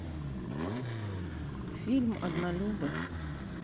фильм однолюбы